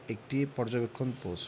একটি পর্যবেক্ষণ পোস্ট